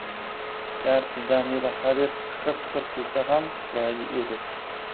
garchi jamila hadeb qiqir qiqir kulsa ham chiroyli edi